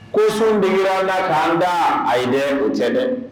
Ko sun digira da k'an da a ye ne o cɛ dɛ